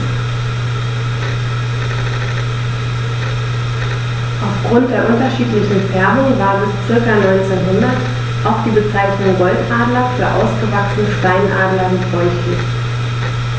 Auf Grund der unterschiedlichen Färbung war bis ca. 1900 auch die Bezeichnung Goldadler für ausgewachsene Steinadler gebräuchlich.